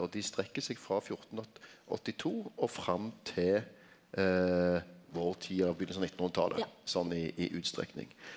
for dei strekk seg frå 1482 og fram til vår tid eller byrjinga av nittenhundretalet sånn i i utstrekning.